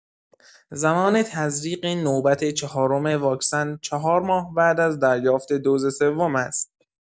زمان تزریق نوبت چهارم واکسن ۴ ماه بعد از دریافت دز سوم است.